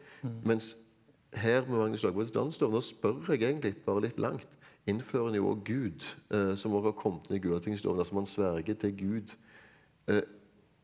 mens her med Magnus Lagabøtes Landslov nå spør jeg egentlig bare litt langt innfører han jo óg gud som og har kommet med Gulatingsloven altså man sverger til gud .